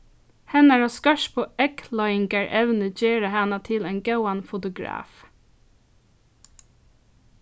hennara skørpu eygleiðingarevni gera hana til ein góðan fotograf